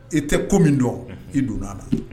I tɛ ko min dɔn. Unhun. I donna a la. Unhun.